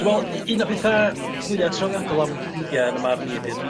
Dwi me'wl u- un o petha fwya trawiadol am wicipedia yn 'ym marn i ydi'r